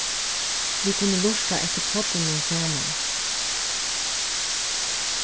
vit kunnu lurta eftir poddinum saman